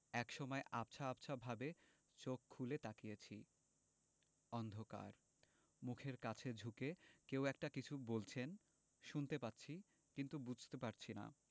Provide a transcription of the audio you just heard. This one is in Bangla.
একসময় আবছা আবছাভাবে চোখ খুলে তাকিয়েছি অন্ধকার মুখের কাছে ঝুঁকে কেউ কিছু একটা বলছেন শুনতে পাচ্ছি কিন্তু বুঝতে পারছি না